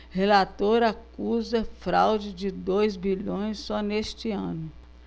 relator acusa fraude de dois bilhões só neste ano